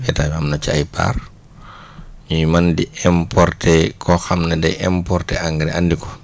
état bi am na ci ay parts ñuy mën di importer koo xam ne day importer engrais andi ko